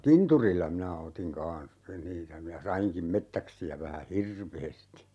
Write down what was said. kinturilla minä otin kanssa niitä minä sainkin metsäksiä vähän hirveästi